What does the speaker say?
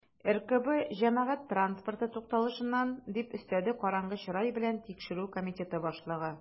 "ркб җәмәгать транспорты тукталышыннан", - дип өстәде караңгы чырай белән тикшерү комитеты башлыгы.